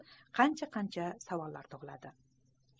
qancha qancha savollar tug'iladi